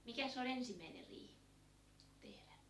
mikäs se on ensimmäinen riihi tehdä